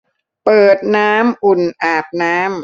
เปิดน้ำอุ่นอาบน้ำ